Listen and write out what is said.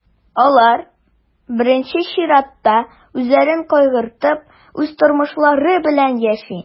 Алар, беренче чиратта, үзләрен кайгыртып, үз тормышлары белән яши.